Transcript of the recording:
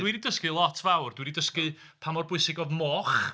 Dwi 'di dysgu lot fawr, dwi 'di dysgu pa mor bwysig oedd moch.